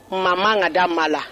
Mama ma ka da ma la